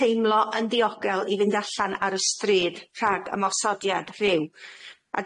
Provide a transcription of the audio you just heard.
teimlo yn ddiogel i fynd allan ar y stryd rhag ymosodiad rhyw a